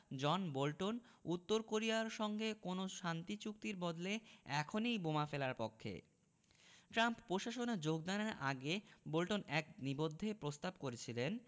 জন Bolton উত্তর কোরিয়ার সঙ্গে কোনো শান্তি চুক্তির বদলে এখনই বোমা ফেলার পক্ষে ট্রাম্প প্রশাসনে যোগদানের আগে বোল্টন এক নিবন্ধে প্রস্তাব করেছিলেন